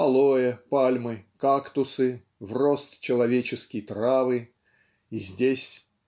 алоэ, пальмы, кактусы, в рост человеческий травы и здесь